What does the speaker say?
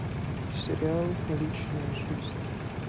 сериал личная жизнь